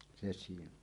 se siinä on